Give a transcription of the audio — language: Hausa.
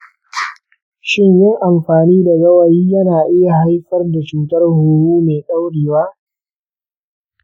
shin yin amfani da gawayi yana iya haifar da cutar huhu mai dorewa